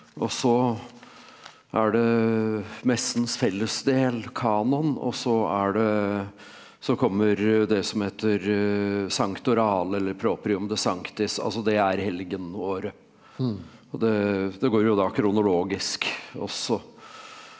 og så er det messens fellesdel kanon og så er det så kommer det som heter eller altså det er helgenåret og det det går jo da kronologisk også.